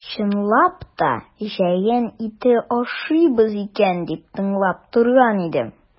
Чынлап та җәен ите ашыйбыз икән дип тыңлап торган идем.